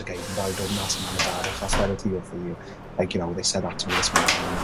oce fi barod i dod mas i mam a dad achos like you know they said that to me this morning